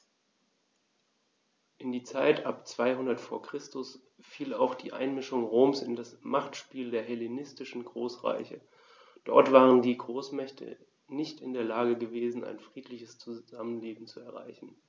In die Zeit ab 200 v. Chr. fiel auch die Einmischung Roms in das Machtspiel der hellenistischen Großreiche: Dort waren die Großmächte nicht in der Lage gewesen, ein friedliches Zusammenleben zu erreichen.